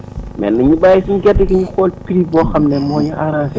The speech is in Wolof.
mais nañ ñu bàyyeeg suñu gerte gi ñu xool prix boo xam ne moo ñu arrangé